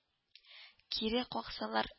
Кире каксалар